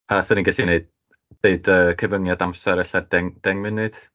A fasen ni'n gallu wneud, deud yy cyfyngiad amser ella 10 10 munud?